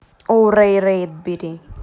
о рэй брэдбери